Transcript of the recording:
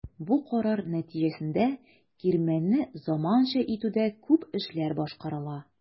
Бу карар нәтиҗәсендә кирмәнне заманча итүдә күп эшләр башкарыла.